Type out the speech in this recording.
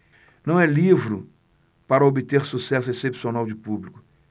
não é livro para obter sucesso excepcional de público